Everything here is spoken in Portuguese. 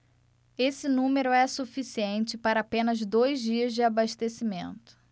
esse número é suficiente para apenas dois dias de abastecimento